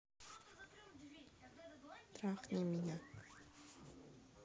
трахни меня